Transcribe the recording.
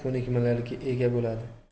ko'nikmalarga ega bo'ladi